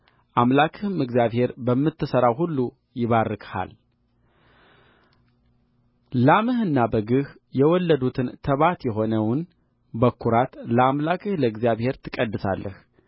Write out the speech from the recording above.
አምላክህም እግዚአብሔር በምትሠራው ሁሉ ይባርክሃል ላምህና በግህ የወለዱትን ተባት የሆነውን በኵራት ለአምላክህ ለእግዚአብሔር ትቀድሳለህ